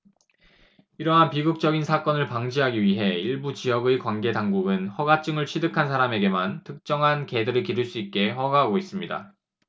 이러한 비극적인 사건을 방지하기 위해 일부 지역의 관계 당국은 허가증을 취득한 사람에게만 특정한 개들을 기를 수 있게 허가하고 있습니다